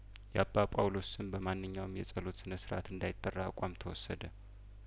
የአባ ጳውሎስ ስም በማንኛውም የጸሎት ስነ ስርአት እንዳይጠራ አቋም ተወሰደ